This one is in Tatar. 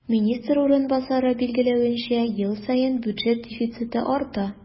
Министр урынбасары билгеләвенчә, ел саен бюджет дефициты арта.